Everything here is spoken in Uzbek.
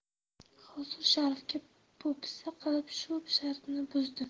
hozir sharifga po'pisa qilib shu shartni buzdi